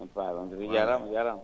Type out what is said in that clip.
en pamonndiri jaaraama jaaraama